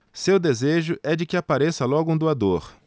seu desejo é de que apareça logo um doador